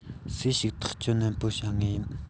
སུས ཞིག ཐག གཅོད ནན པོ བྱ ངོས ཡིན